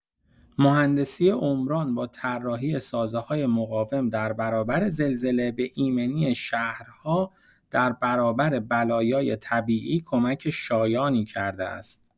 مهندسی عمران با طراحی سازه‌های مقاوم در برابر زلزله، به ایمنی شهرها در برابر بلایای طبیعی کمک شایانی کرده است.